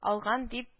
Алган дип